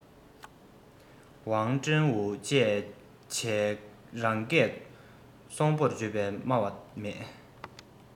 རང སྐད སྲོང པོར བརྗོད པའི སྨྲ བ མེད